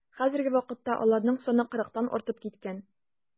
Хәзерге вакытта аларның саны кырыктан артып киткән.